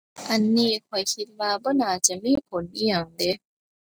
อันนี้ข้อยคิดว่าบ่น่าจะมีผลอิหยังเดะ